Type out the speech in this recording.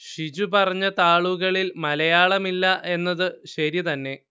ഷിജു പറഞ്ഞ താളുകളിൽ മലയാളം ഇല്ല എന്നത് ശരി തന്നെ